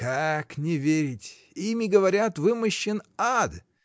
— Как не верить: ими, говорят, вымощен ад.